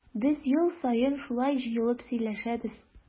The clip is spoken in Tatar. Без ел саен шулай җыелып сөйләшәбез.